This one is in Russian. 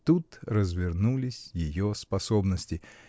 Тут развернулись ее способности.